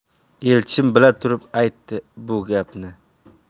elchin bila turib aytdi bu gapni